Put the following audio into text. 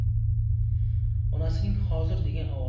onasining hozir degan ovozini